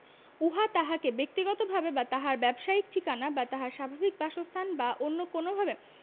উহা তাহাকে বক্তিগতভাবে বা তাহার ব্যবসায়িক ঠিকানা বা তাহার স্বাভাবিক বাসস্থান বা অন্য কোনভাবে